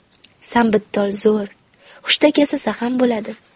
sambittol zo'r hushtak yasasa ham bo'ladi